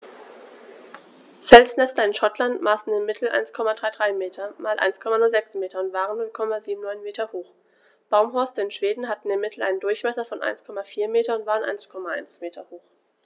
Felsnester in Schottland maßen im Mittel 1,33 m x 1,06 m und waren 0,79 m hoch, Baumhorste in Schweden hatten im Mittel einen Durchmesser von 1,4 m und waren 1,1 m hoch.